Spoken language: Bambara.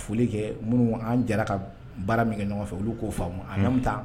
Foli kɛ minnu an jara ka baara min kɛ ɲɔgɔn nɔfɛ olu k'o faamumu a ta